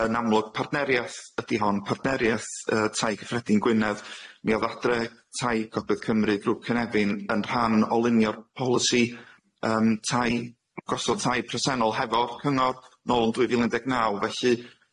yn amlwg partneriaeth ydi hon partneriaeth yy tai cyffredin Gwynedd mi odd Adre tai Cogledd Cymru grŵp Cynefin yn rhan o linio'r polisi yym tai gosodd tai presennol hefo'r cyngor nôl yn dwy fil un deg naw felly